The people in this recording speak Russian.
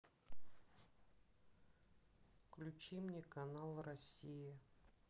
включи мне канал россия